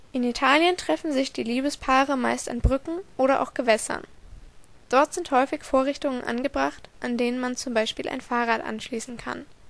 In Italien treffen sich die Liebespaare meist an Brücken oder auch Gewässern. Dort sind häufig Vorrichtungen angebracht, an denen man z. B. ein Fahrrad anschließen kann. Diese